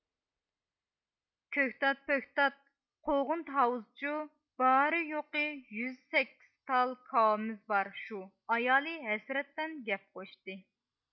كۆكتات پۆكتات قوغۇن تاۋۇزچۇ بارى يوقى يۈز سەككىز تال كاۋىمىز بار شۇ ئايالى ھەسرەت بىلەن گەپ قوشتى